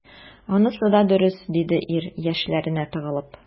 Анысы да дөрес,— диде ир, яшьләренә тыгылып.